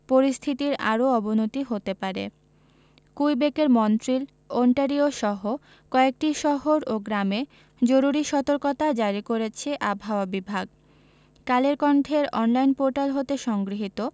পরিস্থিতির আরও অবনতি হতে পারে কুইবেকের মন্ট্রিল ওন্টারিওসহ কয়েকটি শহর ও গ্রামে জরুরি সতর্কতা জারি করেছে আবহাওয়া বিভাগ কালের কন্ঠের অনলাইন পোর্টাল হতে সংগৃহীত